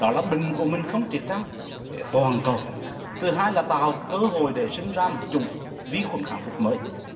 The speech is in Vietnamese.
đó là bịnh của mình không triệt chăng toàn cầu thứ hai là tạo cơ hội để sinh ra một chủng vi khuẩn kháng thuốc mới